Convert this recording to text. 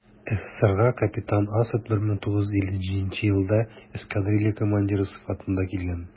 СССРга капитан Асад 1957 елда эскадрилья командиры сыйфатында килгән.